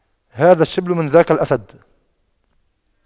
هذا الشبل من ذاك الأسد